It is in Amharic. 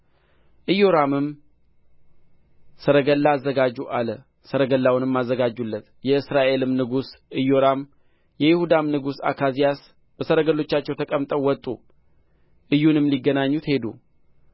ኢዮራምም ሰረገላ አዘጋጁ አለ ሰረገላውንም አዘጋጁለት የእስራኤልም ንጉሥ ኢዮራም የይሁዳም ንጉሥ አካዝያስ በሰረገሎቻቸው ተቀምጠው ወጡ ኢዩንም ሊገናኙት ሄዱ